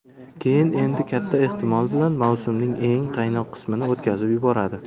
keyn endi katta ehtimol bilan mavsumning eng qaynoq qismini o'tkazib yuboradi